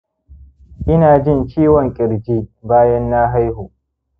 inajin ciwon ƙirji bayan na haihu